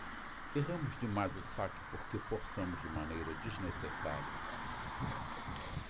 erramos demais o saque porque forçamos de maneira desnecessária